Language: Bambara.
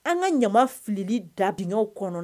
An ka ɲama filili dabiyaw kɔnɔ